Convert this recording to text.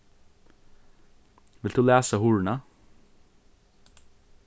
vilt tú læsa hurðina